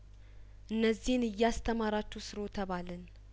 እነዚህን እያስ ተማ ራችሁ ስሩ ተባልን